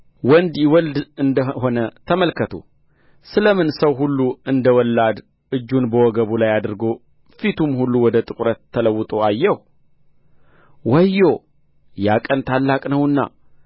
ወንድ ይወልድ እንደ ሆነ ተመልከቱ ስለ ምን ሰው ሁሉ እንደ ወላድ እጁን በወገቡ ላይ አድርጎ ፊቱም ሁሉ ወደ ጥቁረት ተለውጦ አየሁ ወዮ ያ ቀን ታላቅ ነውና